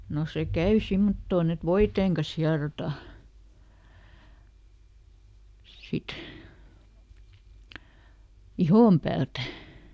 no se käy semmottoon että voiteen kanssa hierotaan sitten ihon päältä